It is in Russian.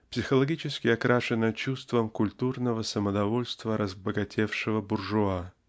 психологически окрашено чувством культурного самодовольства разбогатевшего буржуа.